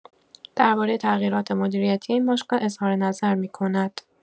درباره تغییرات مدیریتی این باشگاه اظهارنظر می‌کند.